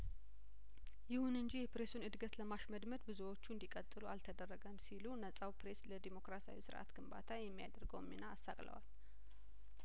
ይሁን እንጂ የፕሬሱን እድገት ለማሽመድመድ ብዙዎቹ እንዲ ቀጥሉ አልተደረገም ሲሉ ነጻው ፕሬስ ለዲሞክራሲያዊ ስርአት ግንባታ የሚያደርገውን ሚና አሳቅለዋል